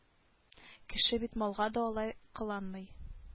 Кеше бит малга да алай кыланмый